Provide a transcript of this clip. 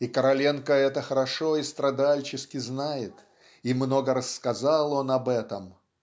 и Короленко это хорошо и страдальчески знает и много рассказал он об этом